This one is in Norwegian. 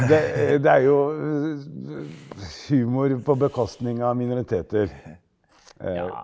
det det er jo humor på bekostning av minoriteter.